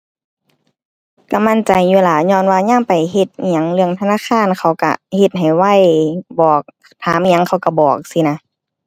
ก็มั่นใจอยู่ล่ะ ญ้อนว่ายามไปเฮ็ดอิหยังเรื่องธนาคารเขาก็เฮ็ดให้ไว บอก ถามอิหยังเขาก็บอกซี้นะ